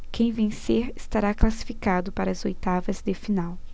quem vencer estará classificado para as oitavas de final